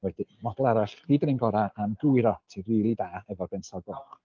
Wedyn, model arall, chdi 'di'r un gorau am gywiro, ti rili da efo